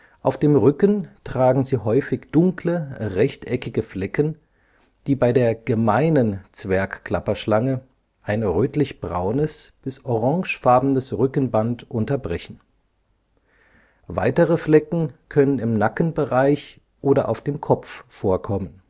Auf dem Rücken tragen sie häufig dunkle, rechteckige Flecken, die bei der gemeinen Zwergklapperschlange (S. miliaris) ein rötlich-braunes bis orangefarbenes Rückenband unterbrechen. Weitere Flecken können im Nackenbereich oder auf dem Kopf vorkommen